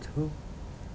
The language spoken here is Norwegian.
to.